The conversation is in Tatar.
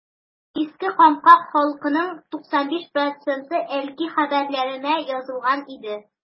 Әйтик, Иске Камка халкының 95 проценты “Әлки хәбәрләре”нә язылган инде.